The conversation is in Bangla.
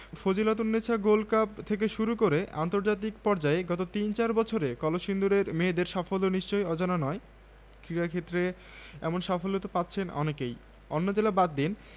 শীতের সকাল শীতের সকাল নানা শরিফাকে নিয়ে রোদ পোহাচ্ছেন হাতে খবরের কাগজ শরিফা বই পড়ছে শরিফা নানা রোদ মিষ্টি হয় কী করে নানা